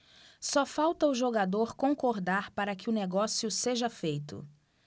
só falta o jogador concordar para que o negócio seja feito